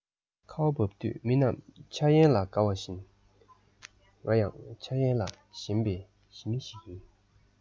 ཁ བ འབབ དུས མི རྣམས འཆར ཡན ལ དགའ བ བཞིན ང ཡང འཆར ཡན ལ ཞེན པའི ཞི མི ཞིག ཡིན